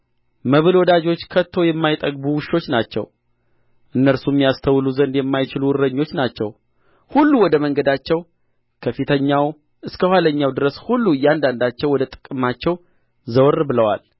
መብል ወዳጆች ከቶ የማይጠግቡ ውሾች ናቸው እነርሱም ያስተውሉ ዘንድ የማይችሉ እረኞች ናቸው ሁሉ ወደ መንገዳቸው ከፊተኛው እስከ ኋለኛው ድረስ ሁሉ እያንዳንዳቸው ወደ ጥቅማቸው ዘወር ብለዋል